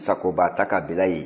sagoba a ta k'a bila yen